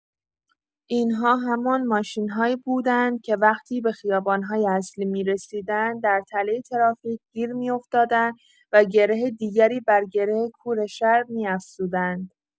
این‌ها همان ماشین‌هایی بودند که وقتی به خیابان‌های اصلی می‌رسیدند در تله ترافیک گیر می‌افتادند و گره دیگری بر گره کور شهر می‌افزودند.